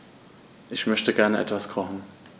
Ich möchte gerne etwas kochen.